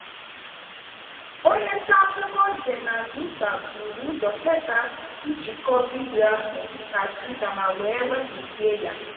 Onye ntaakụkọ Jenan Moussa buru ụzọ kesaa njịkọ vidiyo ahụ na Twita ma wee wepụzie ya.